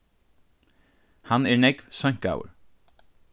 hann er nógv seinkaður